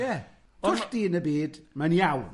Ie, twll din y byd, mae'n iawn.